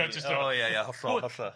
O ie ie hollol hollol.